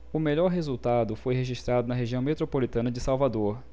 o melhor resultado foi registrado na região metropolitana de salvador